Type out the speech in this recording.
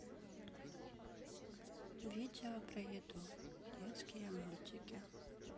видео про еду детские мультики